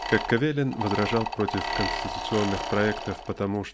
Как Кавелин возражал против конституционных проектов потому